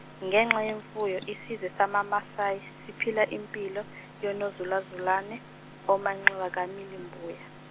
ngenxa yemfuyo isizwe sama- Masayi siphila impilo yonozulazulane omanxiwa kamili mbuya.